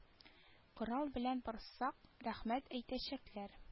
Корал белән барсак рәхмәт әйтәчәкләр